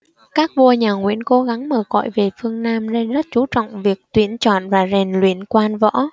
các vua nhà nguyễn cố gắng mở cõi về phương nam nên rất chú trọng việc tuyển chọn và rèn luyện quan võ